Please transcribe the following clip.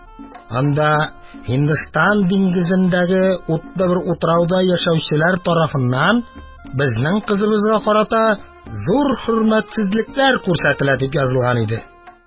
Анда: «Һиндстан диңгезендәге утлы бер утрауда яшәүчеләр тарафыннан безнең кызыбызга карата зур хөрмәтсезлекләр күрсәтелә», – дип язылган иде.